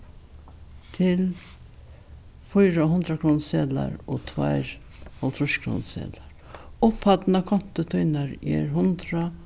til fýra hundraðkrónuseðlar og tveir hálvtrýsskrónuseðlar upphæddin á kontu tínari er hundrað